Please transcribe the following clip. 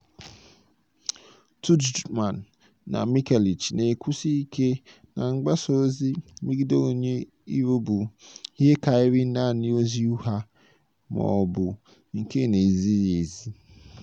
Tudjman na Mikelic na-ekwusi ike na mgbasa ozi mmegide onye iro bụ ihe karịrị nanị ozi ugha ma ọ bụ nke na-ezighị ezi.